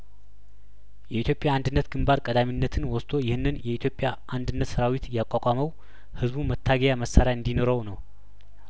የኢትዮጵያ አንድነት ግንባር ቀዳሚነትን ወስዶ ይህንን የኢትዮጵያ አንድነት ሰራዊት ያቋቋመው ህዝቡ መታገያመሳሪያእንዲ ኖረው ነው